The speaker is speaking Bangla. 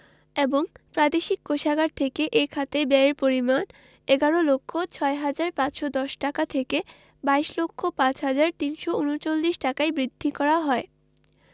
এবং প্রাদেশিক কোষাগার থেকে এ খাতে ব্যয়ের পরিমাণ ১১ লক্ষ ৬ হাজার ৫১০ টাকা থেকে ২২ লক্ষ ৫ হাজার ৩৩৯ টাকায় বৃদ্ধি করা হয়